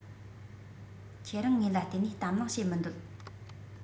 ཁྱེད རང ངོས ལ ལྟོས ནས གཏམ གླེང བྱེད མི འདོད